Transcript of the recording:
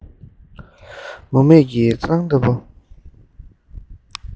མུ མེད ཀྱི རྩྭ ཐང ལྟ བུའི